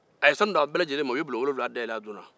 a ye sanu d'a bɛɛ ma u ye bulon wolonwula dayɛlɛ o don na